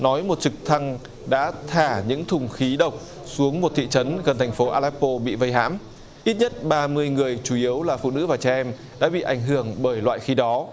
nói một trực thăng đã thả những thùng khí độc xuống một thị trấn gần thành phố a lép pô bị vây hãm ít nhất ba mươi người chủ yếu là phụ nữ và trẻ em đã bị ảnh hưởng bởi loại khi đó